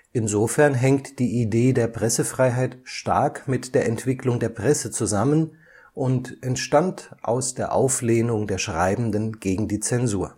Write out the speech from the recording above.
Insofern hängt die Idee der Pressefreiheit stark mit der Entwicklung der Presse zusammen und entstand aus der Auflehnung der Schreibenden gegen die Zensur